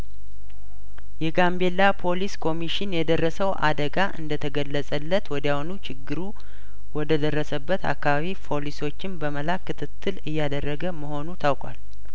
የጋምቤላ ፖሊስ ኮሚሽን የደረሰው አደጋ እንደተገለጸለት ወዲያውኑ ችግሩ ወደ ደረሰበት አካባቢ ፎሊሶችን በመላክ ክትትል እያደረገ መሆኑ ታውቋል